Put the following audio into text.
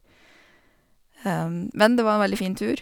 Men det var en veldig fin tur.